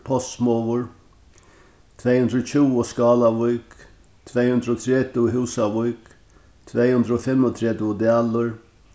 postsmogur tvey hundrað og tjúgu skálavík tvey hundrað og tretivu húsavík tvey hundrað og fimmogtretivu dalur